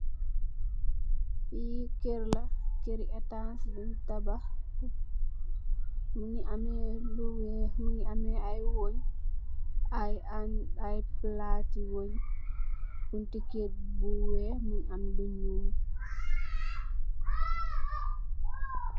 Li keur la, keur ri etanse bunye tabakh. Mungi ame lu weex mungi ame ay wuñ, palati ti wuñ. Bunti keur bu weex mungi am lu ñuul.